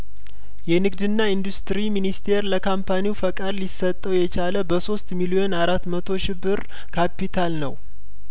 የንግድና ኢንዱስትሪ ሚኒስቴር ለካምፓኒው ፈቃድ ሊሰጠው የቻለበሶስት ሚሊዮን አራት መቶ ሺህ ብር ካፒታል ነው